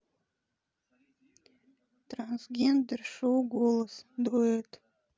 трансгендер шоу голос дуэт